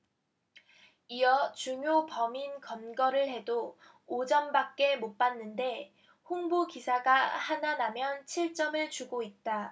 이어 중요 범인 검거를 해도 오 점밖에 못 받는데 홍보 기사가 하나 나면 칠 점을 주고 있다